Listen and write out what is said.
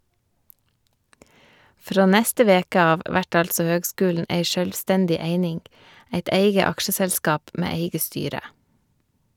Frå neste veke av vert altså høgskulen ei sjølvstendig eining, eit eige aksjeselskap med eige styre.